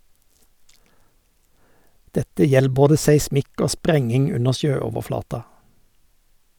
Dette gjeld både seismikk og sprenging under sjøoverflata.